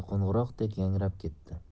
qo'ng'iroqdek yangrab ketdi